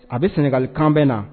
A bɛ sɛnɛgalikanbɛn na